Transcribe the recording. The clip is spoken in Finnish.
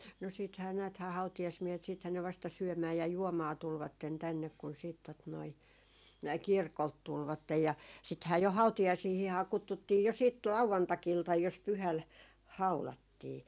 no sittenhän näethän hautajaismiehet sittenhän ne vasta syömään ja juomaan tulivat tänne kun sitten tuota noin kirkolta tulivat ja sittenhän jo hautajaisiinhan kutsuttiin jo sitten lauantai-iltana jos pyhällä haudattiin